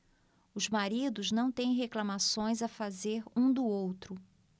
os maridos não têm reclamações a fazer um do outro